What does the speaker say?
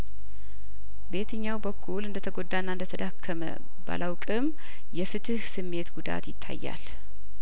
በየትኛው በኩል እንደተጐዳና እንደተዳከመ ባላውቅም የፍትህ ስሜት ጉዳት ይታያል